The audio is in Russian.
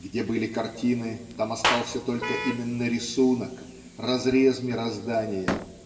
Где были картины, там остался только именно рисунок, разрез мироздания